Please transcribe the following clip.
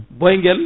Boyguel